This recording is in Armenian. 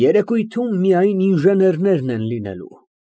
Երեկույթում միայն ինժեներներ են լինելու։